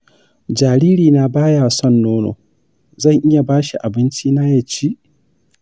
jaririna baya son nono, zan iya ba shi abincina ya ci?